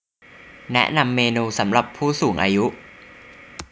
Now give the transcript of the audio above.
แนะนำเมนูสำหรับผู้สูงอายุ